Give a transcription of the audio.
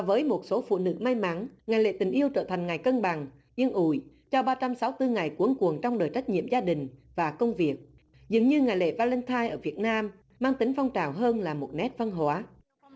với một số phụ nữ may mắn ngày lễ tình yêu trở thành ngày cân bằng nhưng ủi cho ba trăm sáu tư ngày cuống cuồng trong đời trách nhiệm gia đình và công việc dường như ngày lễ va len thai ở việt nam mang tính phong trào hơn là một nét văn hóa